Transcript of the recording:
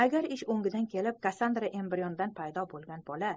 agar taqdir taqazosi bilan kassandra embriondan paydo bo'lgan bola